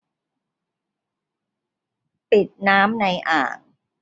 ปิดน้ำในอ่าง